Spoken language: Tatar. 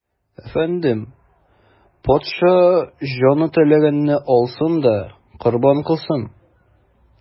Әфәндем, патша, җаны теләгәнне алсын да корбан кылсын.